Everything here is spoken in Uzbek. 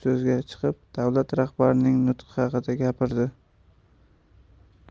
so'zga chiqib davlat rahbarining nutqi haqida gapirdi